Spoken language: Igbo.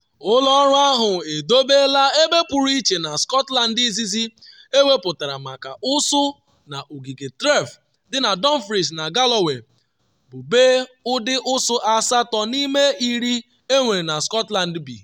Ụlọ ọrụ ahụ edobela ebe pụrụ iche na Scotland izizi ewepụtara maka ụsụ n’ogige Threave dị na Dumfries na Galloway, bụ be ụdị ụsụ asatọ n’ime iri enwere na Scotland bi.